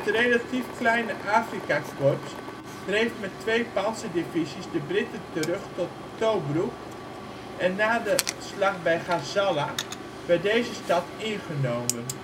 relatief kleine Afrikakorps dreef met twee Pantserdivisies de Britten terug tot Tobroek en na de Slag bij Gazala werd deze stad ingenomen